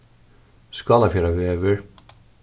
skálafjarðarvegur